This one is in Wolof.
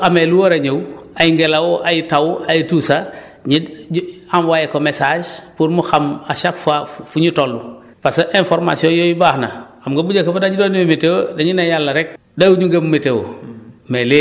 chaque fois su amee lu war a ñëw ay ngelaw ay taw ay tout ça ñu di ñu envoyé ko message pour mu xam à chaque :frra& fois fu ñu toll parce que informations yooyu baax na xam nga bu njëkk ba dañu doon * dañuy ne yàlla rek dawuñu gëm météo